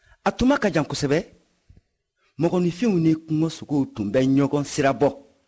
a tuma ka jan kosɛbɛ mɔgɔninfin ni kungosogo tun bɛ ɲɔgɔn sira bɔ